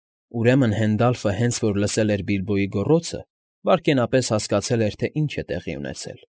Ուրեմն Հենդալֆը հենց որ լսել էր Բիլբոյի գոռոցը, վայրկենապես հասկացել էր, թե ինչ է տեղի ունեցել։